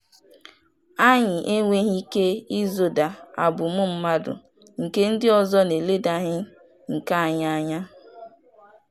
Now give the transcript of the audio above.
Anyị enweghị ike ịzọda abụmụmmadụ nke ndị ọzọ n'eledaghị nke anyị anya.